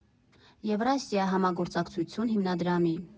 Եվրասիա համագործակցություն հիմնադրամի։